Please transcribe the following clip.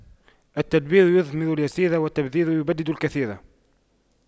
التدبير يثمر اليسير والتبذير يبدد الكثير